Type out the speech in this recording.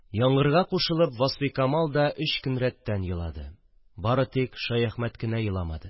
Яңгырга кушылып Васфикамал да өч көн рәттән елады. Бары тик Шәяхмәт кенә еламады